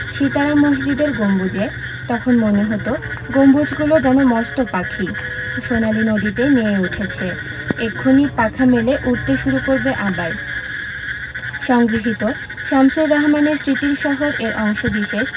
সিতারা মসজিদের গম্বুজে তখন মনে হতো গম্বুজগুলো যেন মস্ত পাখি সোনালি নদীতে নেয়ে উঠেছে এক্ষুনি পাখা মেলে উড়তে শুরু করবে আবার সংগৃহীত শামসুর রাহমানের স্মৃতির শহর এর অংশবিশেষ